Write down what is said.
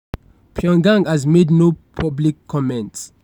Pyongyang has made no public comments.